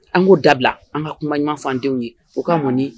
An k'o dabila an ka kuma ɲɔgɔnfandenw ye u ka mɔnɔni